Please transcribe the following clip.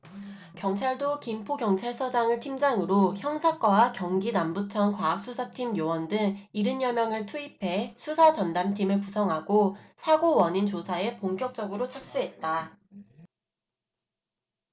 경찰도 김포경찰서장을 팀장으로 형사과와 경기남부청 과학수사팀 요원 등 일흔 여명을 투입해 수사 전담팀을 구성하고 사고 원인 조사에 본격적으로 착수했다